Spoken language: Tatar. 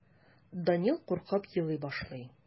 Данил куркып елый башлый.